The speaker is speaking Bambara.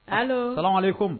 Ala ko